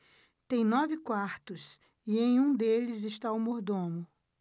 tem nove quartos e em um deles está o mordomo